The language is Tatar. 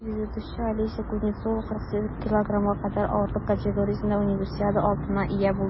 Дзюдочы Алеся Кузнецова 48 кг кадәр авырлык категориясендә Универсиада алтынына ия булды.